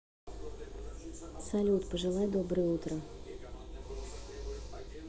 салют пожелай доброе утро